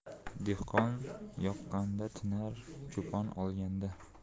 dehqon yoqqanda tinar cho'pon o'lganda